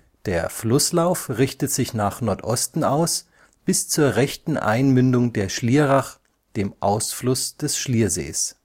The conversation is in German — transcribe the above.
Der Flusslauf richtet sich nach Nordosten aus bis zur rechten Einmündung der Schlierach, dem Ausfluss des Schliersees